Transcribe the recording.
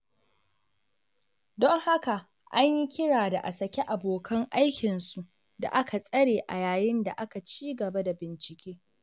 Don haka, anyi kira da a saki abokanan aikin su da aka tsare, a yayin da aka ci gaba da binciken.